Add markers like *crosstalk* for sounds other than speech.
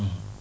*hesitation* *hesitation*